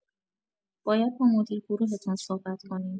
باید با مدیر گروهتون صحبت کنین